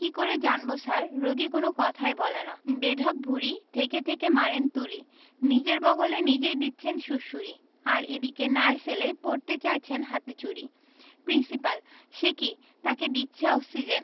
কি করে জানব স্যার রোগী কোন কথাই বলে না বেঢপ ভূঁড়ি থেকে থেকে মারেন তুড়ি নিজের বগলে নিজেই দিচ্ছেন সুড়সুড়ি আর এদিকে নার্স এলেই পরতে চাইছেন হাতে চুড়ি প্রিন্সিপাল সে কি তাকে দিচ্ছে অক্সিজেন